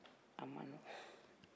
a ma nɔgɔn